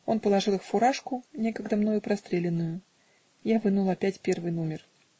он положил их в фуражку, некогда мною простреленную я вынул опять первый нумер.